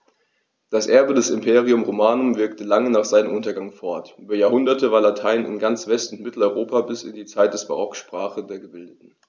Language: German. Dieses Erbe des Imperium Romanum wirkte lange nach seinem Untergang fort: Über Jahrhunderte war Latein in ganz West- und Mitteleuropa bis in die Zeit des Barock die Sprache der Gebildeten.